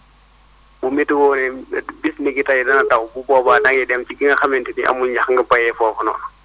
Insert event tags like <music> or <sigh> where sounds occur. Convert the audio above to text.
bu météo nee bis ni ki tey <noise> dina taw bu boobaa da ngay dem si fi nga xamante ni amul ñax nga bayee foofu noonu